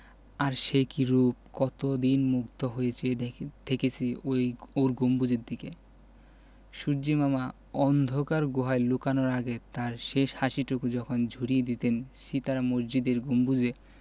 আর সে কি রুপ কতদিন মুগ্ধ হয়ে চেয়ে থেকেছি ওর গম্বুজের দিকে সূর্য্যিমামা অন্ধকার গুহায় লুকানোর আগে তাঁর শেষ হাসিটুকু যখন ঝরিয়ে দিতেন সিতারা মসজিদের গম্বুজে